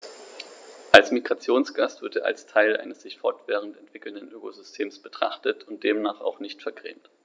Als Migrationsgast wird er als Teil eines sich fortwährend entwickelnden Ökosystems betrachtet und demnach auch nicht vergrämt.